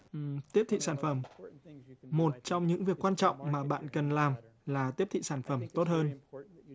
tiếp thị sản phẩm một trong những việc quan trọng mà bạn cần làm là tiếp thị sản phẩm tốt hơn